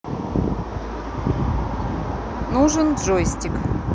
нужен джойстик